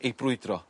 eu brwydro.